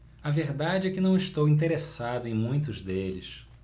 a verdade é que não estou interessado em muitos deles